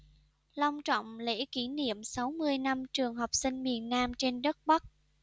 long trọng lễ kỷ niệm sáu mươi năm trường học sinh miền nam trên đất bắc